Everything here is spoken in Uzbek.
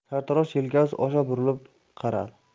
sartarosh yelkasi osha burilib qaradi